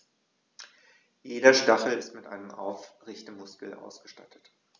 Jeder Stachel ist mit einem Aufrichtemuskel ausgestattet.